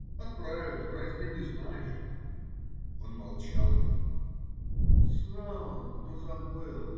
- Отправят; разве ты не знаешь? Он молчал. - Знал, да забыл.